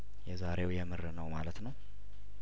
የዛሬው የምር ነው ማለት ነው